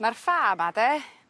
Ma'r ffa 'ma 'de